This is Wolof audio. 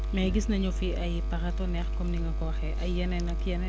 mais gis nañu fi ay paratonnerres comme ni nga ko waxee ay yeneen ak yeneen